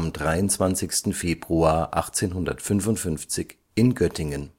23. Februar 1855 in Göttingen